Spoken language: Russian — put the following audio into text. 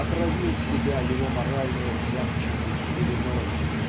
отравил себя его моральной ржавчиной и беленой